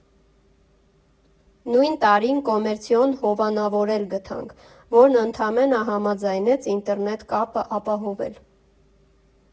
Նույն տարին կոմերցիոն հովանավոր էլ գտանք, որն ընդամենը համաձայնեց ինտերնետ կապն ապահովել։